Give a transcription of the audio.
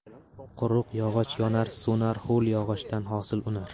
quruq yog'och yonar so'nar ho'l yog'ochdan hosil unar